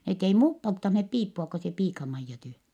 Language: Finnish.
ne ei muut polttaneet piippua kun se piika-Maija tyhjän